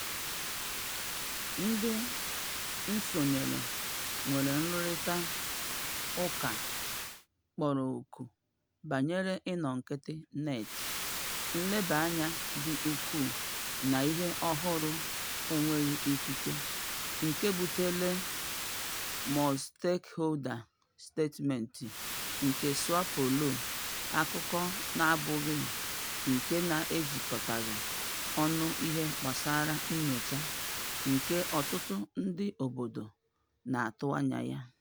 Ndị nsonyere nwere nrụrịtaụka kporo ọkụ banyere ịnọ nkịtị net, nlebaanya dị ukwuu na ihe ọhụrụ "enweghị ikike", nke butere Multistakeholder Statement nke Sao Paulo, akwụkwọ na-abụghị nke na-ejikọtaghị ọnụ n'ihe gbasara nnyocha nke ọtụtụ ndị obodo na-atụ anya ya.